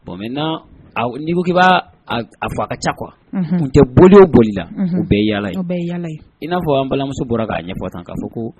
Bon n'i koki' a fa ka ca kuwa u tɛ boli boli la u bɛɛ yaa yaa in n'a fɔ anan balimamuso bɔra k'a ɲɛ tan k'a fɔ